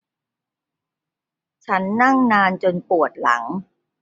ฉันนั่งนานจนปวดหลัง